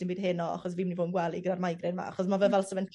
dim byd heno achos fi myn' i bod yn gwely gyda'r migraine 'ma achos ma' fe fel se fe'n